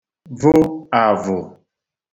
vụ àvụ̀